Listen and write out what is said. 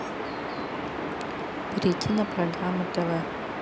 перейти на программы тв